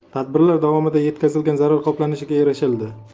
tadbirlar davomida yetkazilgan zarar qoplanishiga erishildi